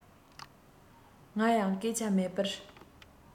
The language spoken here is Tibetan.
ང ཡང སྐད ཆ མེད པར